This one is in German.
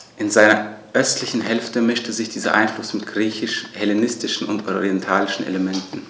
In seiner östlichen Hälfte mischte sich dieser Einfluss mit griechisch-hellenistischen und orientalischen Elementen.